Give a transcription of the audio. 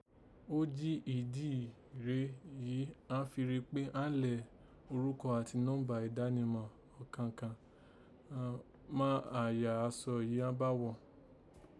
Ó jí ìdí réè yìí àán fi rí pé àán lẹ̀ orúkọ àti nọ́ḿba ìdánimà ọ̀kọ̀ọ́kàn ghan má àyà asọ yìí àán bá ghọ̀